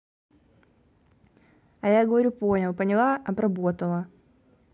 а я говорю понял поняла обработала